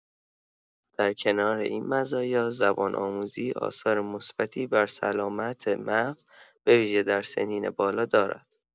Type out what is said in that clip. در کنار این مزایا، زبان‌آموزی آثار مثبتی بر سلامت مغز به‌ویژه در سنین بالا دارد.